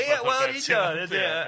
Ia wel ie ie.